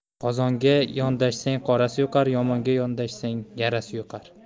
qozonga yondashsang qorasi yuqar yomonga yondashsang yarasi yuqar